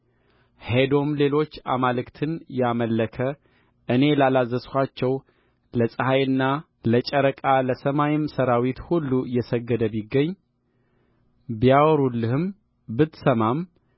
ሄዶም ሌሎች አማልክትን ያመለከ እኔ ላላዘዝኋቸው ለፀሐይና ለጨረቃ ለሰማይም ሠራዊት ሁሉ የሰገደ ቢገኝ ቢያወሩልህም ብትሰማም